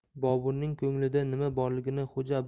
boburning ko'nglida nima borligini xo'ja abdulla